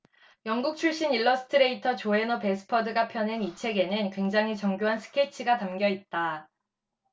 영국 출신 일러스트레이터 조해너 배스퍼드가 펴낸 이 책에는 굉장히 정교한 스케치가 담겨 있다